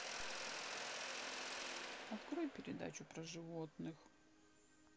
открой передачу про животных